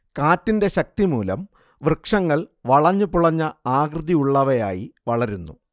കാറ്റിന്റെ ശക്തിമൂലം വൃക്ഷങ്ങൾ വളഞ്ഞുപുളഞ്ഞ ആകൃതിയുള്ളവയായി വളരുന്നു